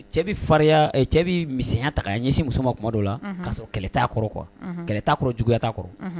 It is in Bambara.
Cɛ bɛ farinya, ɛɛ cɛ bɛ misinya ta kaɲɛsin muso ma tuma dɔ la, ka sɔrɔ kɛlɛ ta kɔrɔ quoi kɛlɛ ta kɔrɔ, juguya ta kɔrɔ.